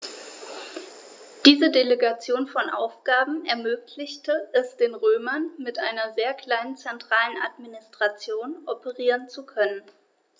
Diese Delegation von Aufgaben ermöglichte es den Römern, mit einer sehr kleinen zentralen Administration operieren zu können.